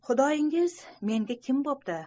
xudoingiz menga kim bo'pti